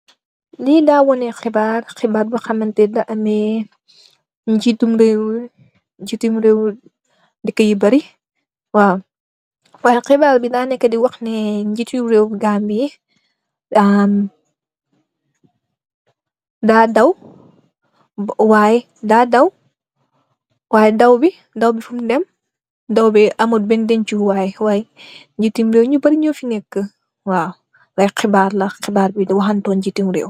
Lii da wane xibaar, xibaar boo xamante ne da am ñjietum rëw i dëkë yu bari, waaw. Waay xibaar bi da neekë di wax ne ñjitu rëwu Gambiya, da daw, waay daw bi fum dem, daw bi amut ben déncu waay. Ñjiet yu bari ñio fi neekë, waay xibaar la, xibaar bi di wax waxu ñjietum rëw.